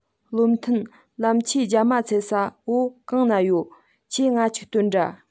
བློ མཐུན ལམ ཆས རྒྱ མ ཚད ས བོ གང ན ཡོད ཁྱོས ང ཅིག སྟོན དྲ